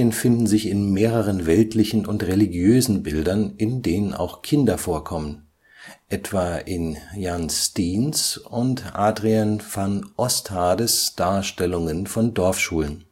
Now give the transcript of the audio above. finden sich in mehreren weltlichen und religiösen Bildern, in denen auch Kinder vorkommen, etwa in Jan Steens und Adriaen van Ostades Darstellungen von Dorfschulen